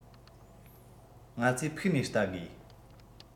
ང ཚོས ཕུགས ནས བལྟ དགོས